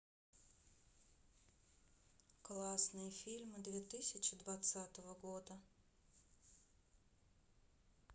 классные фильмы две тысячи двадцатого года